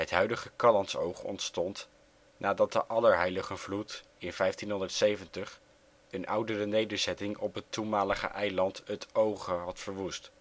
huidige Callantsoog ontstond nadat de Allerheiligenvloed in 1570 een oudere nederzetting op het toenmalige eiland ' t Oghe had verwoest